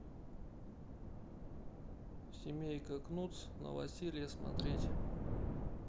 семейка крудс новоселье смотреть